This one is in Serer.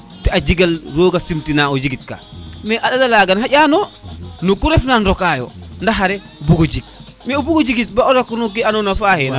te a jega ne rooga sim tina o jegit ka mais a ɗata laga xaƴano no ku refna ndoka yo nda x xari bugo jeg mais bugo jik rek bo ando nait bo o rok no ke ando na faaxe